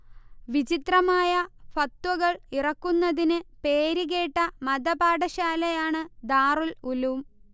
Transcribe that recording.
വിചിത്രമായ ഫത്വകൾ ഇറക്കുന്നതിന് പേര് കേട്ട മതപാഠശാലയാണ് ദാറുൽ ഉലൂം